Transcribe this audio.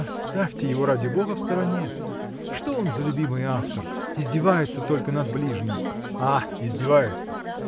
– Оставьте его, ради бога, в стороне; что он за любимый автор! Издевается только над ближним. – А! издевается!